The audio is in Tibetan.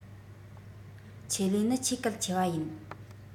ཆེད ལས ནི ཆེས གལ ཆེ བ ཡིན